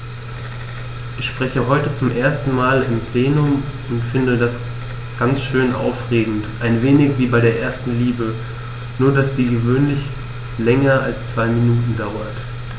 Ich spreche heute zum ersten Mal im Plenum und finde das ganz schön aufregend, ein wenig wie bei der ersten Liebe, nur dass die gewöhnlich länger als zwei Minuten dauert.